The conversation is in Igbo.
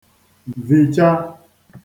vìcha